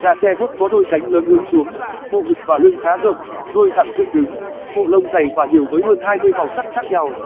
gà tre bốt có đôi cánh lớn hướng xuống bộ ngực và lưng khá rộng đuôi thẳng dựng đứng bộ lông dày và nhiều với hơn màu sắc khác nhau